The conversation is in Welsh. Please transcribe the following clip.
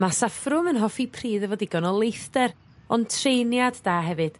Ma' saffrwm yn hoffi pridd efo digon o leithder ond treiniad da hefyd.